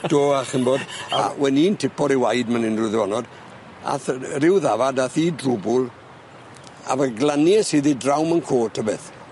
Do a ch'mbod wen i'n tipo ryw waed myn 'yn ryw ddwyrnod ath yy ryw ddafad ath 'i i drwbwl a fe glanies iddi draw man 'co ta beth.